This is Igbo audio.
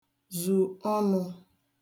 zù ọnụ̄